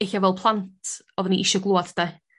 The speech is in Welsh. ella fel plant oddon ni isio glŵad 'de?